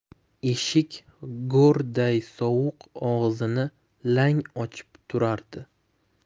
eshik go'rday sovuq og'zini lang ochib turardi